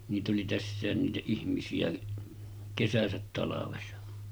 niitä oli tässäkin niitä ihmisiä kesänsä talvensa